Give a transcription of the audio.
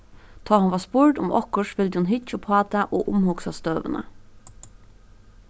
tá hon varð spurd um okkurt vildi hon hyggja uppá tað og umhugsa støðuna